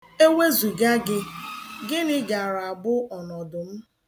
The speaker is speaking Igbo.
Ewezuga gị, gịnị gaara abụ ọnọdụm?